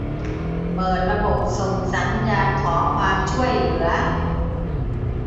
เปิดระบบส่งสัญญาณขอความช่วยเหลือ